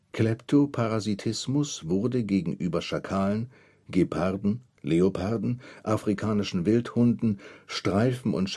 Kleptoparasitismus wurde gegenüber Schakalen, Geparden, Leoparden, Afrikanischen Wildhunden, Streifen - und